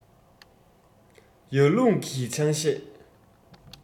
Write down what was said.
ཡར ཀླུང གིས ཆང གཞས